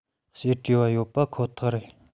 བཤད བྲེལ བ ཡོད པ ཁོ ཐག རེད